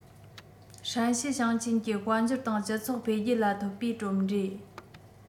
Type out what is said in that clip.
ཧྲན ཞི ཞིང ཆེན གྱི དཔལ འབྱོར དང སྤྱི ཚོགས འཕེལ རྒྱས ལ ཐོབ པའི གྲུབ འབྲས